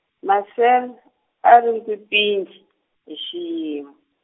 Marcel, a ri kwipinji , hi xiyimo.